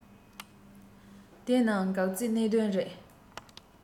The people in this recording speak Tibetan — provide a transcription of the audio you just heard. དེ ནི འགག རྩའི གནད དོན རེད